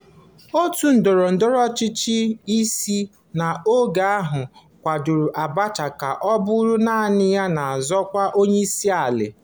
Òtù ndọrọ ndọrọ ọchịchị ise n'oge ahụ kwadoro Abacha ka ọ bụrụ naanị ya na-azọ ọkwa onyeisiala.